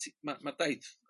t- ma' ma' .